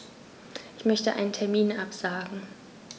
Ich möchte einen Termin absagen.